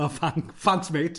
O, ffan- ffancs mate.